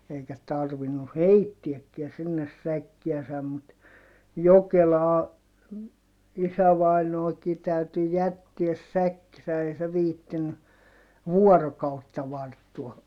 eikä tarvinnut heittääkään sinne säkkiänsä mutta Jokelaan isävainaankin täytyi jättää säkkinsä ei se viitsinyt vuorokautta varttua